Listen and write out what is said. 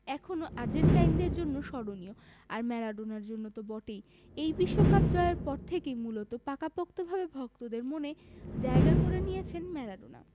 এখনো আর্জেন্টাইনদের জন্য স্মরণীয় আর ম্যারাডোনার জন্য তো বটেই এই বিশ্বকাপ জয়ের পর থেকেই মূলত পাকাপোক্তভাবে ভক্তদের মনে জায়গা করে নিয়েছেন ম্যারাডোনা